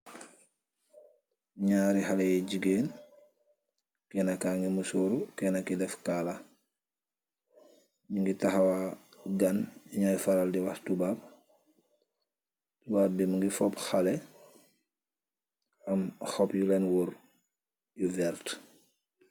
Njaari haleh yi gigain, kenah kaangui musorru, kenah kii deff kaalar, njungi takhaw'aa gann bu njoi faral di wakh tubab, tubab bii mungy fohpp haleh, am hohbb yulen worre yu vert.